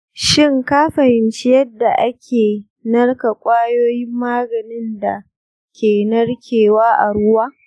shin ka fahimci yadda ake narka kwayoyin maganin da ke narkewa a ruwa?